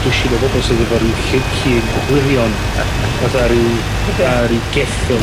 dwsin o bobol sydd efo ryw llu- llun gwirion.... ... fatha ryw... Ie. ...yy ryw geffyl